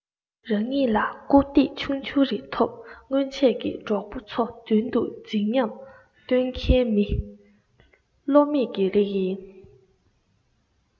རང ཉིད ལ རྐུབ སྟེགས ཆུང ཆུང རེ ཐོབ སྔོན ཆད ཀྱི གྲོགས པོ ཚོ མདུན དུ རྫིག ཉམས སྟོན མཁན མི གློ མེད ཀྱི རིགས ཡིན